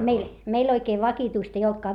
meillä meillä oikein vakituista ei ollutkaan